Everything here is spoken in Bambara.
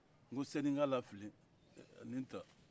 nko sani n k'a lafili nin taa